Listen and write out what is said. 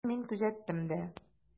Шуны мин күзәттем дә.